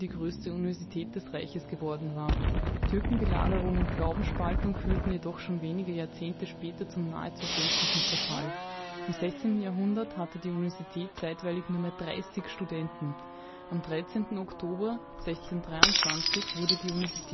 größte Universität des Reiches geworden war. Türkenbelagerung und Glaubensspaltung führten jedoch schon wenige Jahrzehnte später zum nahezu gänzlichen Zerfall; im 16. Jahrhundert hatte die Universität zeitweilig nur mehr 30 (!) Studenten. Am 13. Oktober 1623 wurde die Universität